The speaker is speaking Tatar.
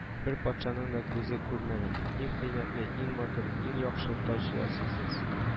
Бер патшаның да күзе күрмәгән, иң кыйммәтле, иң матур, иң яхшы таҗ ясыйсыз